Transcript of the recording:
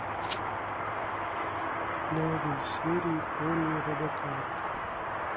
новые серии поли робокар